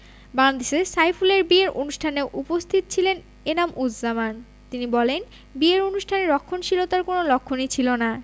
বাংলাদেশে সাইফুলের বিয়ের অনুষ্ঠানেও উপস্থিত ছিলেন এনাম উজজামান তিনি বলেন বিয়ের অনুষ্ঠানে রক্ষণশীলতার কোনো লক্ষণই ছিল না